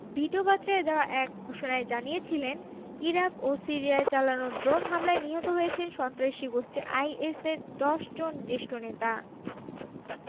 ভিডিওবার্তায় দেওয়া এক ঘোষণায় জানিয়েছিলেন ইরাক ও সিরিয়ায় চালানো ড্রোন হামলায় নিহত হয়েছেন সন্ত্রাসী গোষ্ঠী আইএসের ১০ জন জ্যেষ্ঠ নেতা